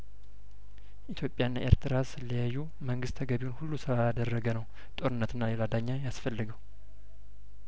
ኢትዮጵያና ኤርትራ ሲለያዩ መንግስት ተገቢውን ሁሉ ስላ ላደረገ ነው ጦርነትና ሌላ ዳኛ ያስፈለገው